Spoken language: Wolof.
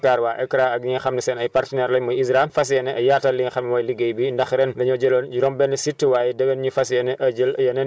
waaye tam ñoom ñi nga xam ne ñooy waa ANCAR waa AICRA ak ñi nga xam ne seen ay partenaires lañ muy ISRA fas yéene ay yaatal li nga xam ne mooy liggéey bi ndax ren dañoo jëloon juróom-benni sites